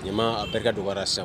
Ɲamakala a barika don wara san